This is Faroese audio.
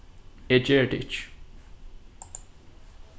eg geri tað ikki